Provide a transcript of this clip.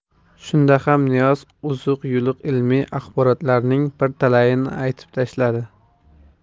shunda ham niyoz uzuq yuluq ilmiy axborotlarning bir talayini aytib tashladi